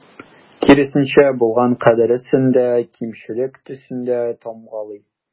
Киресенчә, булган кадәресен дә кимчелек төсендә тамгалый.